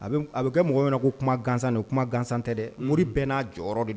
A bɛ kɛ mɔgɔw ɲɛna ko kuma gansan don kuma gansan tɛ dɛ mori bɛɛ n'a jɔyɔrɔ de